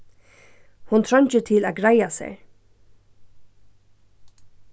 hon treingir til at greiða sær